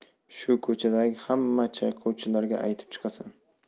shu ko'chadagi hamma chayqovchilarga aytib chiqasan